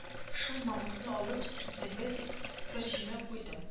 Шул мамыкны алып сөртмәгә дип фәрҗемә куйдым